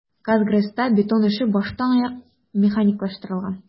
"казгрэс"та бетон эше баштанаяк механикалаштырылган.